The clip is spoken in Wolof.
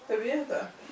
c' est bien ça